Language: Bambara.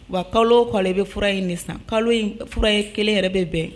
Wa kalo k'ale bɛ f fura in de san kalo in fura ye kelen yɛrɛ bɛ bɛn